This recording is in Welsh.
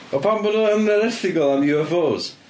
Ond pam bod o yn yr erthygl am UFOs?